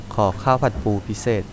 ขอข้าวผัดปูพิเศษ